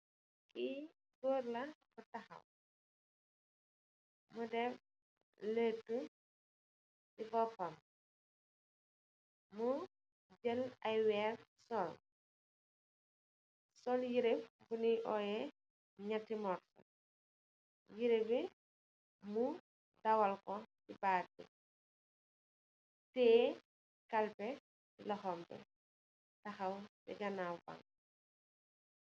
Li goor la bu takhaw mu def letub si bopam mu jel aye werr sul, sul yereh bunyu oyeh nyatti mursoh yereh bi nyu dawal bat bi mu teyeh kalpeh si luxhom bi